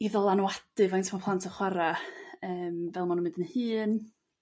i ddylanwadu faint ma' plant yn chwara' yrm fel ma' nhw'n mynd yn hŷn.